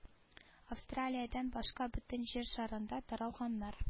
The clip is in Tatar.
Австралиядән башка бөтен җир шарында таралганнар